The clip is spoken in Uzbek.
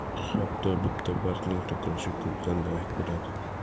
hatto bitta bargning to'kilishi kuzdan darak beradi